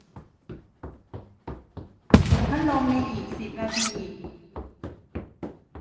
ปิดพัดลมในอีกสิบนาที